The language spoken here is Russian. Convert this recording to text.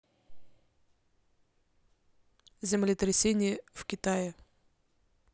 землетрясение в китае